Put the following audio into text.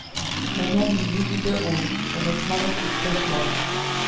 Менә нинди иде ул (онытмагыз, иптәшләр